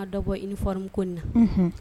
Ma dɔ bɔ uniforme ko in na unhun